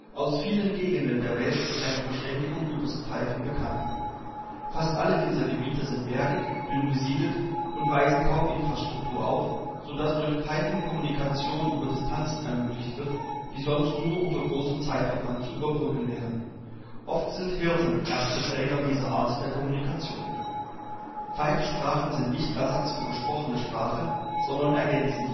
Aus vielen Gegenden der Welt ist eine Verständigung übers Pfeifen bekannt. Fast alle dieser Gebiete sind bergig, dünnbesiedelt und weisen kaum Infrastruktur auf, so dass durch Pfeifen Kommunikation über Distanzen ermöglicht wird, die sonst nur unter großem Zeitaufwand zu überbrücken wären. Oft sind Hirten erste Träger dieser Art der Kommunikation. Pfeifsprachen sind nicht Ersatz für gesprochene Sprachen, sondern ergänzen